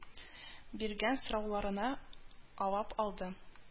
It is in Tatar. Биргән сорауларына авап алды